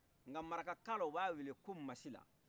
nka marakakanna u b'a wele ko masila